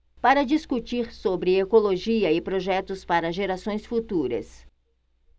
para discutir sobre ecologia e projetos para gerações futuras